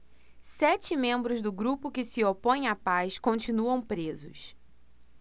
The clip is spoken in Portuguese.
sete membros do grupo que se opõe à paz continuam presos